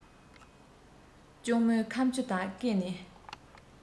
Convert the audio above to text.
གཅུང མོའི ཁ ཆུ དག སྐེ ནས